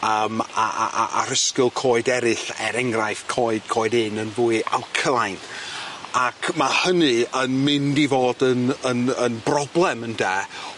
yym a a a a rhisgl coed eryll er enghraiff coed coed ynn yn fwy alkaline ac ma' hynny yn mynd i fod yn yn yn broblem ynde